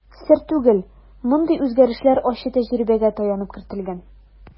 Сер түгел, мондый үзгәрешләр ачы тәҗрибәгә таянып кертелгән.